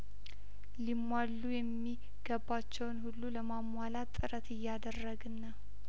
ሊሟሉ የሚገባቸውን ሁሉ ለሟሟላት ጥረት እያደረግን ነው